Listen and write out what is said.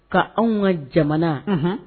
Ka anw ka jamana